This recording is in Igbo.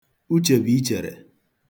Uche bụ ichere.